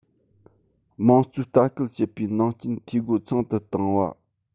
དམངས གཙོས ལྟ སྐུལ བྱེད པའི ནང རྐྱེན འཐུས སྒོ ཚང དུ བཏང བ